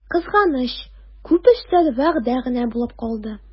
Кызганыч, күп эшләр вәгъдә генә булып калды.